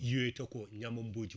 yiyoyta ko ñamamboji